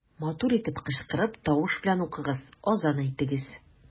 Матур итеп кычкырып, тавыш белән укыгыз, азан әйтегез.